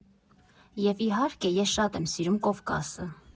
Եվ, իհարկե, ես շատ եմ սիրում Կովկասը։